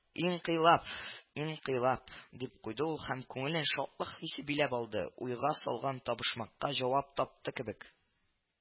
Инкыйлап инкыйлап дип куйды ул һәм күңелен шатлык хисе белән алды, уйга салган табышмакка җавап тапты кебек